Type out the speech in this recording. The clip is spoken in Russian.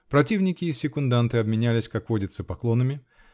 Противники и секунданты обменялись, как водится, поклонами